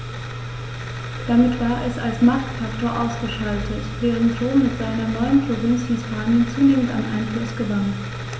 Damit war es als Machtfaktor ausgeschaltet, während Rom mit seiner neuen Provinz Hispanien zunehmend an Einfluss gewann.